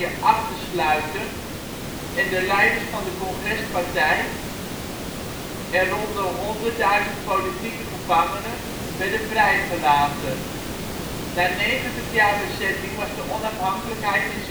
af te sluiten en de leiders van de Congrespartij en rond de 100.000 politieke gevangenen werden vrijgelaten. Na 90 jaar bezetting was de onafhankelijkheid in